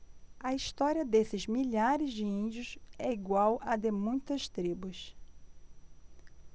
a história desses milhares de índios é igual à de muitas tribos